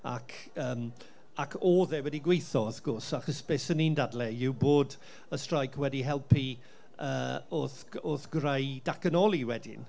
Ac yym ac oedd e wedi gweithio, wrth gwrs, achos beth 'swn i'n dadlau yw bod y streic wedi helpu yy wrth g- wrth greu datgonoli wedyn.